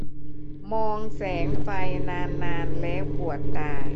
มองแสงไฟนานนานแล้วปวดตา